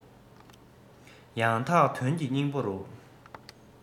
ཡང དག དོན གྱི སྙིང པོ རུ